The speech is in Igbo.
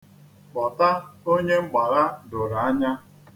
Kpọta onye mgbagha doro anya.